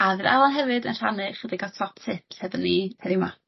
A ddra- o hefyd yn rhannu chydig a top tips hefo ni heddiw 'ma.